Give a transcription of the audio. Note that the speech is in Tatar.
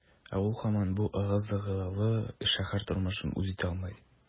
Ә ул һаман бу ыгы-зыгылы шәһәр тормышын үз итә алмый.